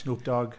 Snoop Dogg.